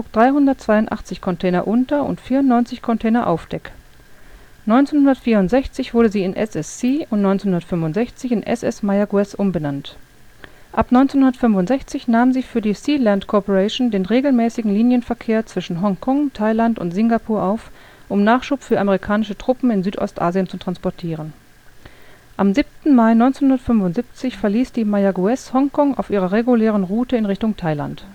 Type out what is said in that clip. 382 Container unter und 94 Container auf Deck. 1964 wurde sie in SS Sea und 1965 in SS Mayaguez umbenannt. Ab 1965 nahm sie für die Sea-Land Corporation den regelmäßigen Linienverkehr zwischen Hongkong, Thailand und Singapur auf, um Nachschub für amerikanische Truppen in Südostasien zu transportieren. Am 7. Mai 1975 verließ die Mayaguez Hongkong auf ihrer regulären Route in Richtung Thailand